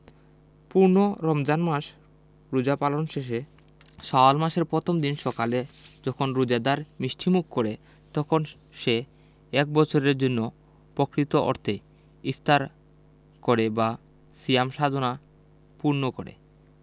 পূর্ণ রমজান মাস রোজা পালন শেষে শাওয়াল মাসের পথম দিন সকালে যখন রোজাদার মিষ্টিমুখ করে তখন সে এক বছরের জন্য পকৃত অর্থে ইফতার করে বা সিয়াম সাধনা সম্পূর্ণ করে